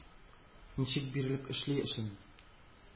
Ничек бирелеп эшли эшен...